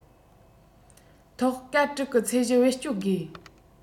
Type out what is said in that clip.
ཐོག སྐར དྲུག གི ཚད གཞི བེད སྤྱོད དགོས